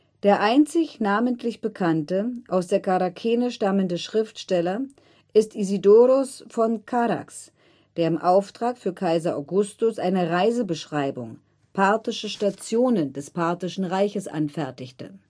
Der einzige namentlich bekannte, aus der Charakene stammende Schriftsteller ist Isidoros von Charax, der im Auftrag für Kaiser Augustus eine Reisebeschreibung (parthische Stationen) des parthischen Reiches anfertigte